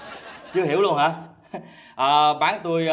chưa hiểu luôn hả ờ bán tôi